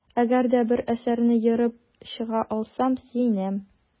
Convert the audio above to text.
Әгәр дә бер әсәрне ерып чыга алсам, сөенәм.